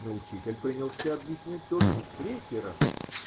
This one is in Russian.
Но учитель принялся объяснять то же в третий раз.